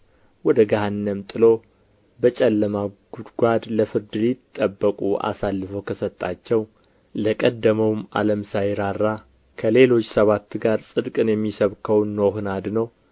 ወደ ገሃነም ጥሎ በጨለማ ጉድጓድ ለፍርድ ሊጠበቁ አሳልፎ ከሰጣቸው ለቀደመውም ዓለም ሳይራራ ከሌሎች ሰባት ጋር ጽድቅን የሚሰብከውን ኖኅን አድኖ